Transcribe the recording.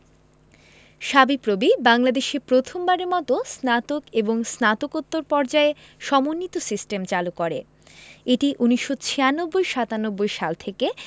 সাবিপ্রবি বাংলাদেশে প্রথম বারের মতো স্নাতক এবং স্নাতকোত্তর পর্যায়ে সমন্বিত সিস্টেম চালু করে এটি ১৯৯৬ ৯৭ সাল থেকে